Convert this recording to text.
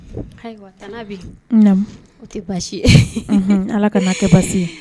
Tɛ ala ka tɛ basi ye